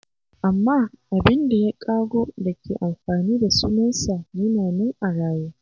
Amma abin da ya ƙago da ke amfani da sunansa yana nan a raye.